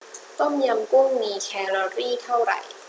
ต้มยำกุ้งมีแคลอรี่เท่าไหร่